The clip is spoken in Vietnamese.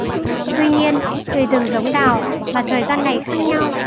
tuy nhiên tùy từng giống đào mà thời gian này khác nhau